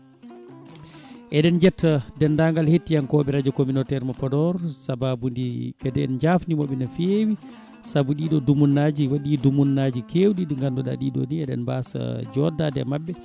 eɗen jetta dendagal hettiyankoɓe radio communautaire mo Podor sababude kadi en jafnima ɗum no fewi saabu ɗiɗo dumunnaji waɗi dumunnaji kewɗi ɗi ganduɗa ɗiɗo ni eɗen mbasa joddade e mabɓe